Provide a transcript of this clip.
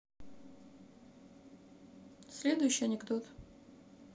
следующий анекдот